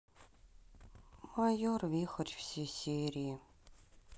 майор вихрь все серии